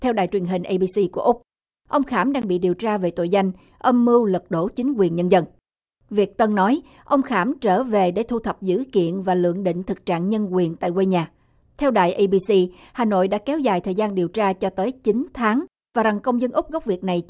theo đài truyền hình ây bi xi của úc ông khảm đang bị điều tra về tội danh âm mưu lật đổ chính quyền nhân dân việt tân nói ông khảm trở về để thu thập dữ kiện và lượng định thực trạng nhân quyền tại quê nhà theo đài ây bi xi hà nội đã kéo dài thời gian điều tra cho tới chín tháng và rằng công dân úc gốc việt này